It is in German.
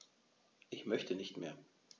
Ich möchte nicht mehr.